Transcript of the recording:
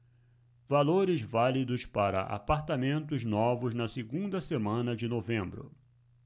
valores válidos para apartamentos novos na segunda semana de novembro